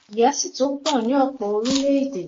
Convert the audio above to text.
"Ìyà sì tún pọ̀ ní ọ̀pọ̀ àwọn orílẹ̀-èdè."